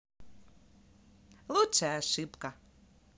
лучшая ошибка